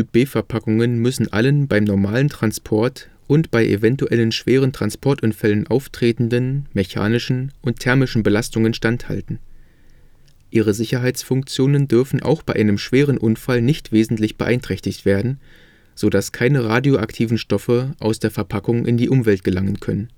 Typ-B-Verpackungen müssen allen beim normalen Transport und bei eventuellen schweren Transportunfällen auftretenden mechanischen und thermischen Belastungen standhalten. Ihre Sicherheitsfunktionen dürfen auch bei einem schweren Unfall nicht wesentlich beeinträchtigt werden, so dass keine radioaktiven Stoffe aus der Verpackung in die Umwelt gelangen können